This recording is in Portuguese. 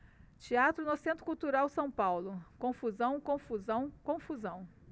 teatro no centro cultural são paulo confusão confusão confusão